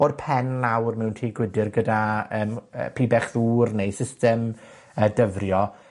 o'r pen mawr mewn tŷ gwydyr gyda yym yy pibell ddŵr neu system yy dyfrio,